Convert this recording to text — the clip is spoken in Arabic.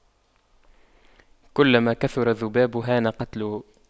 كلما كثر الذباب هان قتله